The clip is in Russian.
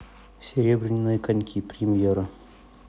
серебряные коньки премьера